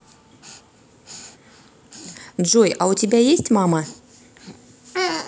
джой а у тебя есть мама